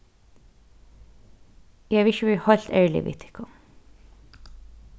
eg havi ikki verið heilt ærlig við tykkum